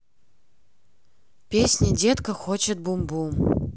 песня детка хочет бум бум